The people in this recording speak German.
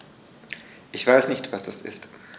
Ich weiß nicht, was das ist.